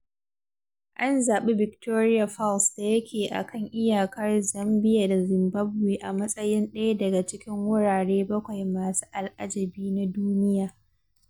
An zaɓi Victoria Falls da yake a kan iyakar Zambia da Zimbabwe a matsayin ɗaya daga cikin wurare bakwai masu al'ajabi na duniya.